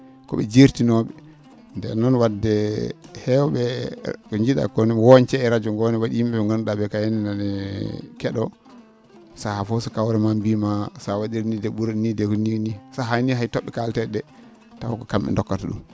ko ?e jeertinoo?e ndeen noon wadde heew?e ?e njii?aa ko no wooñce e radio ngoo no wa?i yim?e ?e nganndu?aa ?ee kayen na ne ke?oo sahaa fof so kawre mumen m biima sa wa?irii nii dee ?uri nii de ko nii nii sahaaji nii hay to??e kaletee?e ?ee taw ko kam?e dokkata ?um